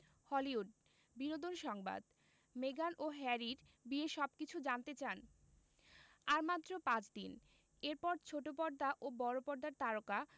Hollywood বিনোদন সংবাদ মেগান ও হ্যারির বিয়ের সবকিছু জানতে চান আর মাত্র পাঁচ দিন এরপর ছোট পর্দা ও বড় পর্দার তারকা